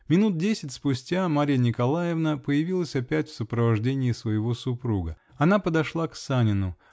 Минут десять спустя Марья Николаевна появилась опять в сопрождении своего супруга. Она подошла к Санину.